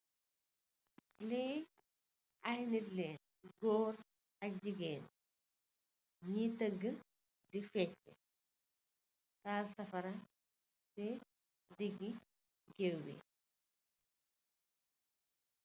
Lii ay nit lèèn, gór ak gigeen ñi taga di fecci, tahal safara ci digeh gééw bi .